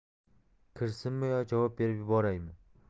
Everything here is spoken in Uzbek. kirsinmi yo javob berib yuboraymi